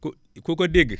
ku ku ko dégg